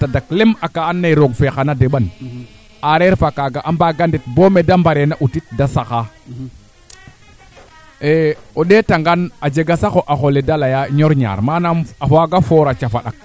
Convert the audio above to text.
iyo pendel kaaf ke a reta nga ba bugo fi tiya nam comme fosiiso leene pour te foorik o ga te tuc a tuca nga a fi tig mbaal pep ke mbalik kaaga na leyel pendeen